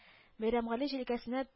Бәйрәмгали җилкәсенә